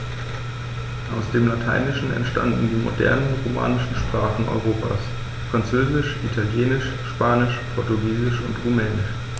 Aus dem Lateinischen entstanden die modernen „romanischen“ Sprachen Europas: Französisch, Italienisch, Spanisch, Portugiesisch und Rumänisch.